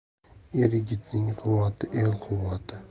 er yigitning quvvati el quvvati